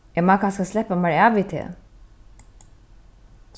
eg má kanska sleppa mær av við teg